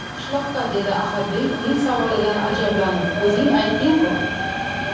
qishloqqa dedi ahadbey uning savolidan ajablanib o'zing aytding ku